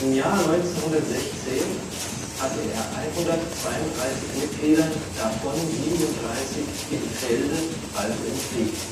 Jahr 1916 hatte er 132 Mitglieder, davon 37 „ im Felde “(also im Krieg